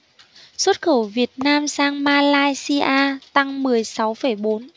xuất khẩu việt nam sang malaysia tăng mười sáu phẩy bốn